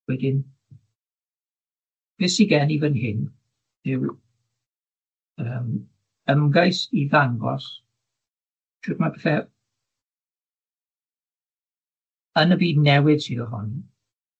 Wedyn be sy gen i fyn hyn yw yym ymgais i ddangos shwt ma' pethe yn y byd newydd sydd ohoni